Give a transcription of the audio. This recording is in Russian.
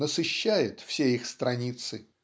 насыщает все их страницы.